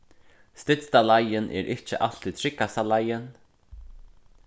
stytsta leiðin er ikki altíð tryggasta leiðin